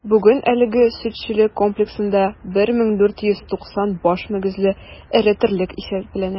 Бүген әлеге сөтчелек комплексында 1490 баш мөгезле эре терлек исәпләнә.